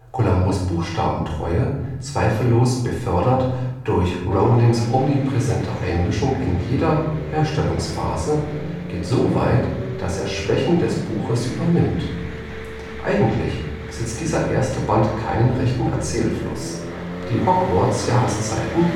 Columbus’ Buchstabentreue – zweifellos befördert durch Rowlings omnipräsente Einmischung in jeder Herstellungsphase – geht so weit, dass er Schwächen des Buches übernimmt. Eigentlich besitzt dieser erste Band keinen rechten Erzählfluss, die Hogwarts-Jahreszeiten